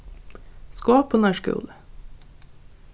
skopunar skúli